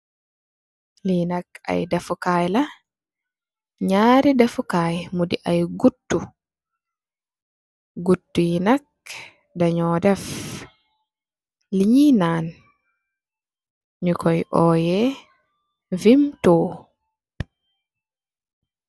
Lii nak defu kaay, niarri defu kaay, muy guttu. Guttu yi nak, da ñoo def lu ñi naan, lu ñuy owe, vimtoo.